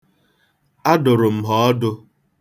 Adụrụ m ha ọdụ.